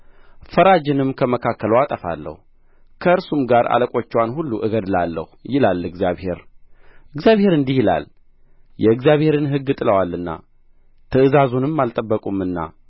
ፈራጅንም ከመካከልዋ አጠፋለሁ ከእርሱም ጋር አለቆችዋን ሁሉ እገድላለሁ ይላል እግዚአብሔር እግዚአብሔር እንዲህ ይላል የእግዚአብሔርን ሕግ ጥለዋልና ትእዛዙንም አልጠበቁምና